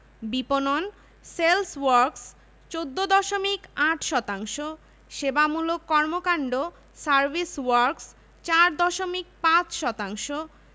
প্রশাসন ও ব্যবস্থাপনা এডমিন এন্ড ম্যানেজেরিয়াল ০ দশমিক ২ শতাংশ করণিক ক্ল্যারিক্যাল ওয়ার্ক্স ৩ দশমিক ৪ শতাংশ